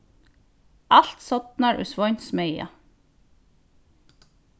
alt sodnar í sveins maga